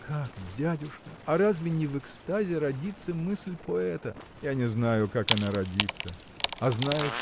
– Как, дядюшка, а разве не в экстазе родится мысль поэта? – Я не знаю как она родится а знаю